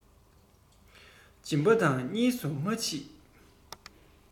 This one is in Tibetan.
སྦྱིན པ དང གཉིས སུ མ མཆིས